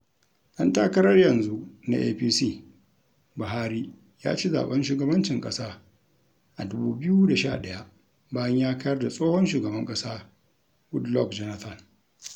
ɗan takarar 'yanzu na APC, Buhari, ya ci zaɓen shugabancin ƙasa a 2011 bayan ya kayar da tsohon shugaban ƙasa Goodluck Jonathan.